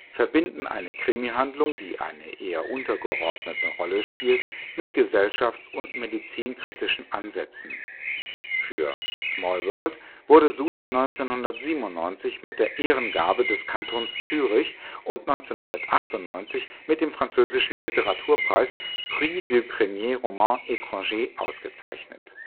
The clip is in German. verbinden eine Krimihandlung, die eine eher untergeordnete Rolle spielt, mit gesellschafts - und medizinkritischen Ansätzen. Für Small World wurde Suter 1997 mit der Ehrengabe des Kantons Zürich und 1998 mit dem französischen Literaturpreis Prix du premier roman étranger ausgezeichnet